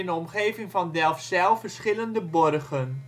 omgeving van Delfzijl verscheidene Borgen